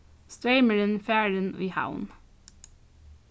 streymurin farin í havn